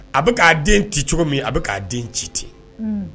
A bɛ k'a den ci cogo min a bɛ k' den ci ten